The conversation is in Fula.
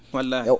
wallaahi